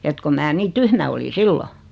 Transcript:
että kun minä niin tyhmä olin silloin